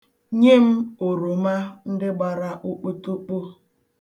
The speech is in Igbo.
Nye m oroma ndị gbara okpotokpo.